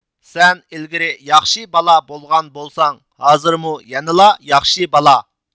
سەن ئىلگىرى ياخشى بالا بولغان بولساڭ ھازىرمۇ يەنىلا ياخشى بالا